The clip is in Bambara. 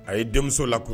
A ye denmuso la kojugu